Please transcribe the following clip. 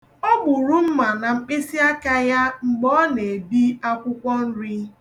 O gburu mma na mkpịsịaka ya mgbe ọ na-ebi akwụkwọ nri.